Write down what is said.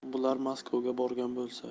bular maskovga borgan bo'lsa